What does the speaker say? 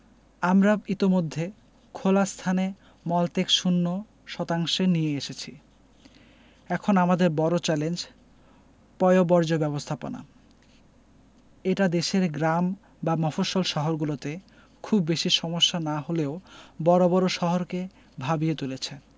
আমরা ইতিমধ্যে খোলা স্থানে মলত্যাগ শূন্য শতাংশে নিয়ে এসেছি এখন আমাদের বড় চ্যালেঞ্জ পয়ঃবর্জ্য ব্যবস্থাপনা এটা দেশের গ্রাম বা মফস্বল শহরগুলোতে খুব বেশি সমস্যা না হলেও বড় বড় শহরকে ভাবিয়ে তুলেছে